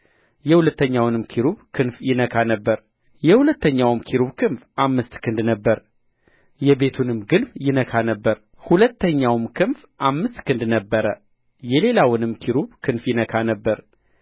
የሁለተኛውንም ኪሩብ ክንፍ ይነካ ነበር የሁለተኛውም ኪሩብ ክንፍ አምስት ክንድ ነበረ የቤቱንም ግንብ ይነካ ነበር ሁለተኛውም ክንፍ አምስት ክንድ ነበረ የሌላውንም ኪሩብ ክንፍ ይነካ ነበር